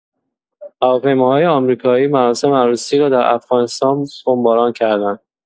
هواپیماهای آمریکایی مراسم عروسی را در افغانستان بمباران کردند.